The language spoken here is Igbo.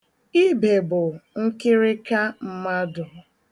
Ibe bụ nkịrịka mmadụ.